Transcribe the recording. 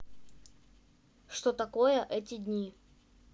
что такое эти дни